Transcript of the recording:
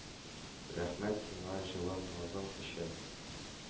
Рәхмәт сиңа җылы назың өчен,